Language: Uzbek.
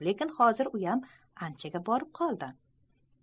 lekin hozir uyam anchaga kirib qoldi